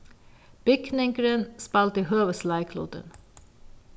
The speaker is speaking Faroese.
bygningurin spældi høvuðsleiklutin